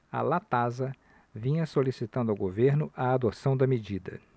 a latasa vinha solicitando ao governo a adoção da medida